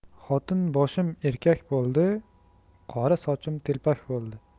xotin boshim erkak bo'ldi qora sochim telpak bo'ldi